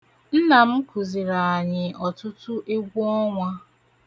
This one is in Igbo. Nna m kụziiri anyị ọtụtụ egwu ọnwa.